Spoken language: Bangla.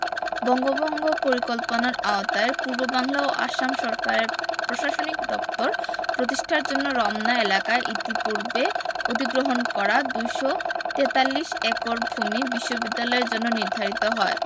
বঙ্গভঙ্গ পরিকল্পনার আওতায় পূর্ববাংলা ও আসাম সরকারের প্রশাসনিক দপ্তর প্রতিষ্ঠার জন্য রমনা এলাকায় ইতিপূর্বে অধিগ্রহণ করা ২৪৩ একর ভূমি বিশ্ববিদ্যালয়ের জন্য নির্ধারিত হয়